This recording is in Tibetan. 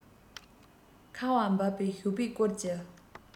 ཁ བ བབས པའི ཞོགས པའི སྐོར གྱི